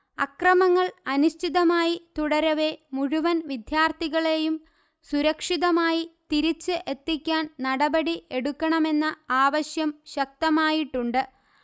അക്രമങ്ങൾ അനിശ്ചിതമായി തുടരവെ മുഴുവൻവിദ്യാർഥികളെയും സുരക്ഷിതമായി തിരിച്ച് എത്തിക്കാൻനടപടി എടുക്കണമെന്ന ആവശ്യം ശക്തമായിട്ടുണ്ട്